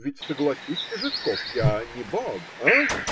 Ведь согласись, Житков, я не бог. А?